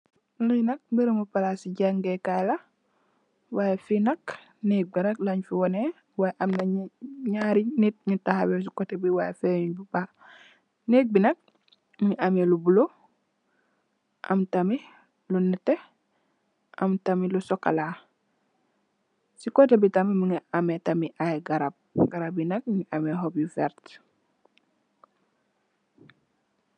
Lee meremu plase jagekay la way fee nak neek be rek lenfe waneh way amna nu nyari neet nu tahawe se koteh be way fenug bu bakh neek be nak muge ameh lu bulo am tamin lu neteh am tamin lu sukola se koteh be tam muge ameh tamin aye garab garab ye nak nuge ameh xopp yu verte.